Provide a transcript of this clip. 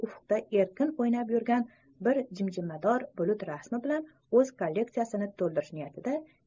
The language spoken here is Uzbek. ufqda erkin o'ynab yurgan bir jimjimador bulut rasmi bilan o'z kolleksiyasini to'ldirish niyatida